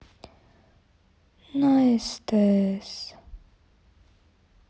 на стс